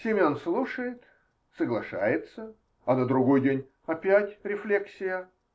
Семен слушает, соглашается, а на другой день опять рефлексии.